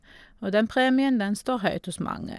Og den premien, den står høyt hos mange.